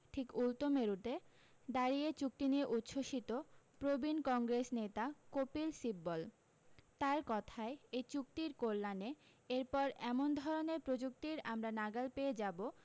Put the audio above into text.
ঠিক উল্টো মেরুতে দাঁড়িয়ে চুক্তি নিয়ে উচ্ছ্বসিত প্রবীণ কংগ্রেস নেতা কপিল সিব্বল তাঁর কথায় এই চুক্তির কল্যাণে এরপর এমন ধরণের প্রযুক্তির আমরা নাগাল পেয়ে যাব